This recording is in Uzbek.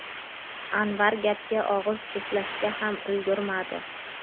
anvar gapga og'iz juftlashga ham ulgurmadi